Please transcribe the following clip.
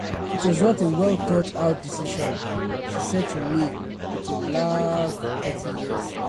"It was not a well-thought-out decision," she said to me with a laugh 30 years later.